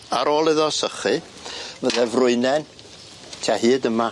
Ar ôl iddo sychu fydde frwynen tua hyd yma.